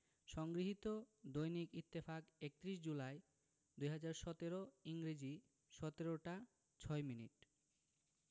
সংগৃহীত দৈনিক ইত্তেফাক ৩১ জুলাই ২০১৭ ইংরেজি ১৭ টা ৬ মিনিট